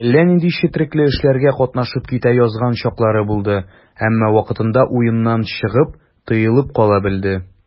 Әллә нинди четрекле эшләргә катнашып китә язган чаклары булды, әмма вакытында уеннан чыгып, тыелып кала белде.